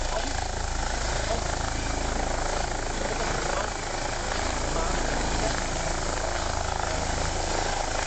Ond, ond, fel 'dan ni'n gwbod, ma' 'na wendida yym